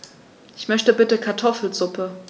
Ich möchte bitte Kartoffelsuppe.